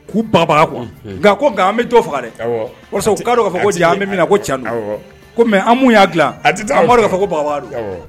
Ko baba nka an bɛ don faga dɛ u'a ko an ko ca anmu y'a dila'a fɔ ko babadu